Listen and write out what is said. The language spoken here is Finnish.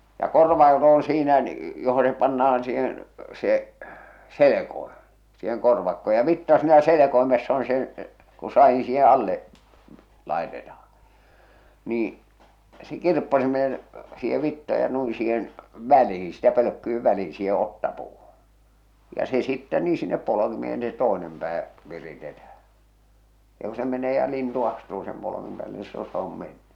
ja korvakot on siinä johon se pannaan siihen se - siihen korvakko ja vitsa siinä selkoimessa on se kun sadin siihen alle laitetaan niin se kirppasimeen siihen vitsa ja noin siihen väliin sitä pölkkyjen väliin siihen otsapuuhun ja se sitten niin sinne polkimeen se toinen pää viritetään ja kun se menee ja lintu astuu sen polkimen päälle niin silloin se on mennyt